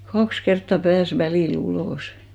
kaksi kertaa pääsi välillä ulos